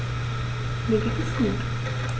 Mir geht es gut.